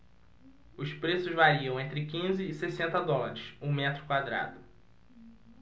os preços variam entre quinze e sessenta dólares o metro quadrado